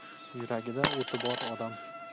yuragida o'ti bor odam